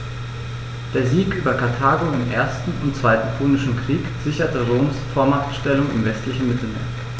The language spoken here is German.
Der Sieg über Karthago im 1. und 2. Punischen Krieg sicherte Roms Vormachtstellung im westlichen Mittelmeer.